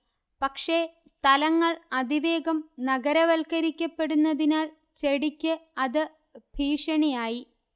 പക്ഷേ സ്ഥലങ്ങൾ അതിവേഗം നഗരവൽക്കരിക്കപ്പെടുന്നതിനാൽ ചെടിക്ക് അത് ഭീഷണിയായി